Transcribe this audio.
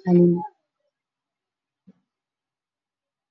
ka soo